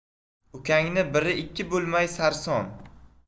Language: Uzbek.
ukangning biri ikki bo'lmay sarson